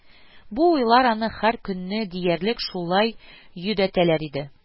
Бу уйлар аны һәр көнне диярлек шулай йөдәтәләр иде